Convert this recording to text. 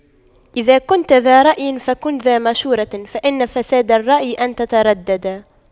إذا كنتَ ذا رأيٍ فكن ذا مشورة فإن فساد الرأي أن تترددا